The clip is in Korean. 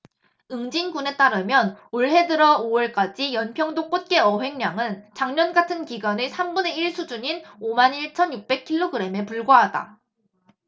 옹진군에 따르면 올해 들어 오 월까지 연평도 꽃게 어획량은 작년 같은 기간의 삼 분의 일 수준인 오 만 일 천 육백 킬로그램에 불과하다